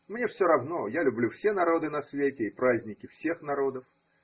Мне все равно, я люблю все народы на свете и праздники всех народов